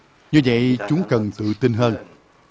như vậy chúng cần tự tin hơn